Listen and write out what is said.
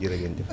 jërë ngeen jëf